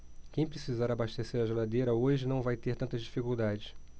quem precisar abastecer a geladeira hoje não vai ter tantas dificuldades